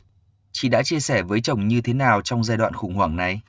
chị đã chia sẻ với chồng như thế nào trong giai đoạn khủng hoảng này